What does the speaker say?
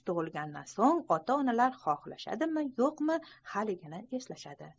tug'ilgandan so'ng ota onalar xohlashadimi yo'qmi haligini eslashadi